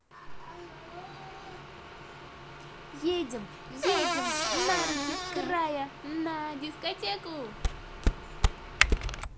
едем едем на руки края на дискотеку